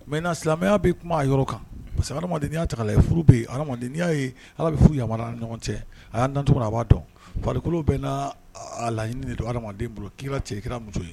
Maintenant silamɛya bɛ kuma a yɔrɔ kan, parce que adamaden n'i y'a ta k'a lajɛ furu bɛ yen, adamaden n'i y'a ye ala bɛ furu yamaruya an ni ɲɔgɔncɛ a y'an dan cogo min na a b'a dɔn farikolo bɛɛ n'a a laɲini de don adamaden bolo i kɛra cɛ ye i kɛra muso ye.